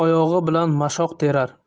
oyog'i bilan mashoq terar